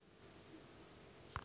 дискотека семидесятых